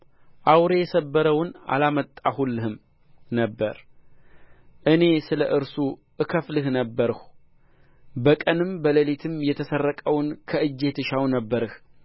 አውሬ የሰበረውን አላመጣሁልህም ነበር እኔ ስለ እርሱ እከፍልህ ነበርሁ በቀንም በሌሊትም የተሰረቀውን ከእጄ ትሻው ነበርህ